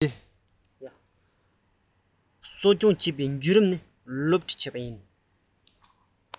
གསོ སྐྱོང བྱེད པའི བརྒྱུད རིམ སློབ ཁྲིད བྱེད པ